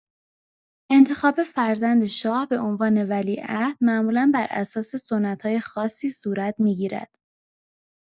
انتخاب فرزند شاه به عنوان ولیعهد معمولا بر اساس سنت‌های خاصی صورت می‌گیرد.